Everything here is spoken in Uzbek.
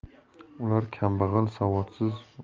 ular kambag'al savodsiz